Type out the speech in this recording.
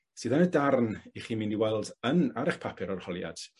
sydd yn y darn 'ych chi myn' i weld yn ar eich papur arholiad